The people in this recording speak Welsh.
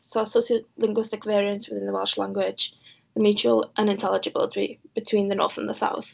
So sociolinguistic variance within the Welsh language. The mutual unintelligible between the North and the South.